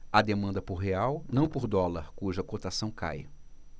há demanda por real não por dólar cuja cotação cai